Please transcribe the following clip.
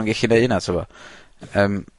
...ma'n gellu neud hynna t'mo'. Yym.